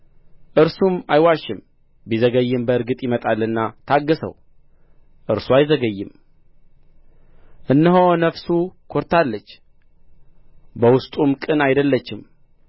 እርሱም አይዋሽም ቢዘገይም በእርግጥ ይመጣልና ታገሠው እርሱ አይዘገይም እነሆ ነፍሱ ኰርታለች በውስጡም ቅን አይደለችም